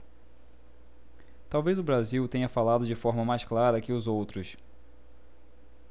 talvez o brasil tenha falado de forma mais clara que os outros